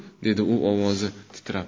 dedi u ovozi titrab